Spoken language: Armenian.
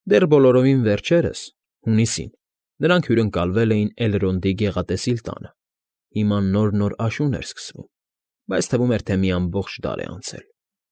Դեռ բոլորովին վերջերս, հունիսին, նրանք հյուրընկալվել էին Էլրոնդի գեղատեսիլ տանը. հիմա նոր֊նոր աշուն էր սկսվում, բայց թվում էր, թե մի ամբողջ դար է անցել։